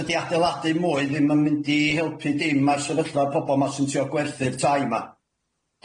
Tydi adeiladu mwy ddim yn mynd i helpu dim ma'r sefyllfa pobol ma' sy'n trio gwerthu'r tai ma'.